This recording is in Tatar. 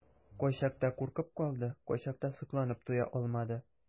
Кайчакта куркып калды, кайчакта сокланып туя алмады.